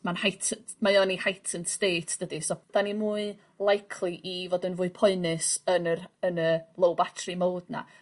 ...mae o'n height- mae o yn ei heightened state dydyi? So 'dan ni mwy likely i fod yn fwy poenus yn yr yn y low battery mode 'na.